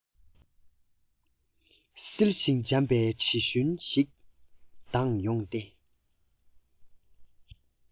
བསིལ ཞིང འཇམ པའི དྲི བཞོན ཞིག ལྡང ཡོང སྟེ